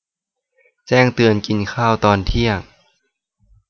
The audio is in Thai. แจ้งเตือนกินข้าวตอนเที่ยง